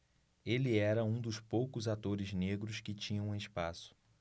ele era um dos poucos atores negros que tinham espaço